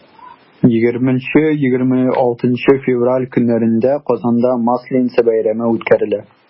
20-26 февраль көннәрендә казанда масленица бәйрәме үткәрелә.